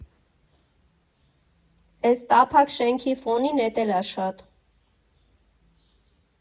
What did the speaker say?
֊ Էս տափակ շենքի ֆոնին էտ էլ ա շատ։